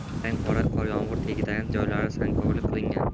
qarang qor yomg'ir tegadigan joylari sangkorlik qilingan